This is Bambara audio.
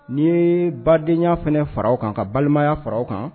N ye badenyaya fana fara aw kan ka balimaya fara aw kan